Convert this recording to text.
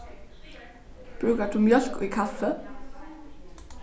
brúkar tú mjólk í kaffið